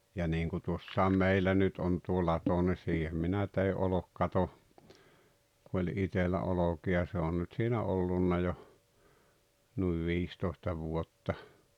ja niin kuin tuossa meillä nyt on tuo lato niin siihen minä tein olkikaton kun oli itsellä olkia se on nyt siinä ollut jo noin viisitoista vuotta